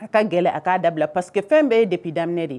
A ka gɛlɛn a k'a dabila parce que fɛn bɛɛ ye dépuis daminɛ de ye